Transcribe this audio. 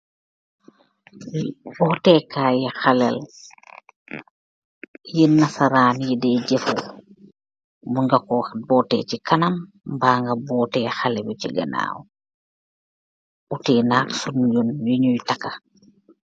Li botehkai haleh la yi nasaran yi di jefeoo mung nga ko boteh si kanam mba nga boteh haleh bi si ganaw outeh na sun nyun yu nyoi taka.